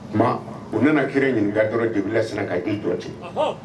Tuma u nana ka kira ɲinika dɔrɔnw Jibirila sinnn k'a'i jɔ ten! Ɔhɔn!